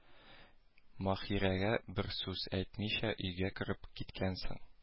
Маһирәгә бер сүз әйтмичә өйгә кереп киткәнсең